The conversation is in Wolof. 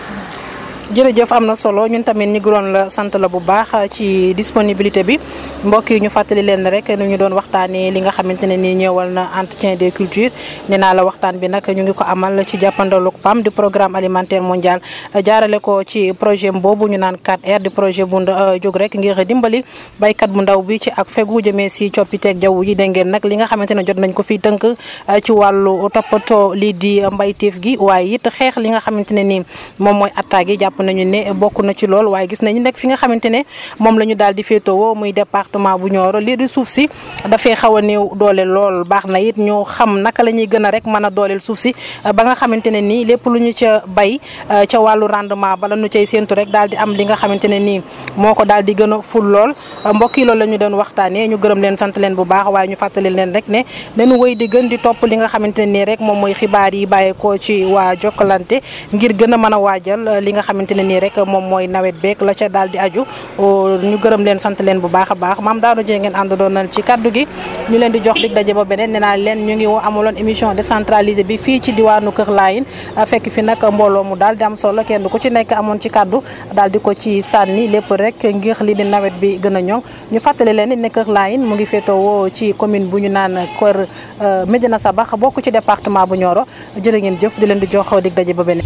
jërëjëf am na solo ñun tamit ñu gërëm la sant la bu baax ci disponibilité bi mbokk yi ñu fàttali leen rek ñu ngi doon waxtaanee li nga xamante ne ni ñeewal na entretien des cultures nee naa la waxtaan bi nag ñu ngi ko amal ci jàppandalug PAM di programme alimentaire mondial jaarale ko ci projet boobu ñu naan 4R di projet bu jóg rek ñgir dimbali béykat bu ndaw bi ci ak fegu jëmee si coppiteg jaww ji dégg ngeen nag li nga xamante ne jot nañ ko fi tënk ci wàllu toppatoo lii di mbéytéef gi waaye it xeex li nga xamante ne ni moom mooy attaques yi jàpp nañu ne bokk na ci lool waaye gis nañu nag fi nga xamante ne moom la ñu daal di féetewoo muy département bu Nioro lii di suuf si dafee xaw a néew doole lool baax na it ñu xam naka la ñuy gën a rek mën a dooleel suuf si ba nga xamante ne ni lépp lu ñu ca béy ca wàllu rendement ba la ñu say séntu rek daal di am li nga xamante ne ni moo ko daal di gën a ful lool mbokk yi loolu la ñu doon waxtaanee ñu gërëm leen sant leen bu baax waaye ñu fàttali leen rek ne la ñu wéy di gën di topp li nga xamante ne ni rek moom mooy xibaar yiy bàyyeekoo ci waa Jokalante ngir gën a mën a waajal li nga xamante ne ni rek moom mooy nawet beeg la ca daal di aju ñu gërëm leen sant leen bu baax a baax Mame Dado Dieng ngeen àndaloonal ci kaddu gi ñu leen di jox dig daje ba beneen nee naa leen ñu ngi amaloon émission decentralisée bi fii ci diwaanu Kër Lahine fekk fi nag mbooloo mu daal di am solo kenn ku ci nekk amoon ci kaddu daal di ko ciy sànni lépp rek ngir lii di nawet bi gën a ñoŋŋ ñu fàttali leen ni ne Kër Lahine mu ngi féetewoo ci commune bu ñu naan kor Medina Sabax bokk ci département bu ñioro jërë ngeen jëf di leen di jox dig daje ba beneen